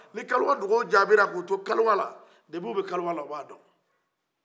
ni kaliwa dugaw jaabira k'u to kaliwa la kabi ni u bɛ kaliwa u bɛ a don